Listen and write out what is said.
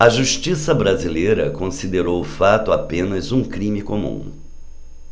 a justiça brasileira considerou o fato apenas um crime comum